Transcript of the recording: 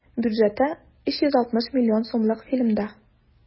Бюджеты 360 миллион сумлык фильмда.